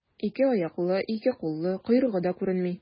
Ике аяклы, ике куллы, койрыгы да күренми.